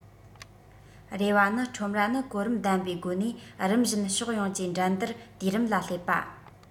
རེ བ ནི ཁྲོམ ར ནི གོ རིམ ལྡན པའི སྒོ ནས རིམ བཞིན ཕྱོགས ཡོངས ཀྱི འགྲན བསྡུར དུས རིམ ལ སླེབས པ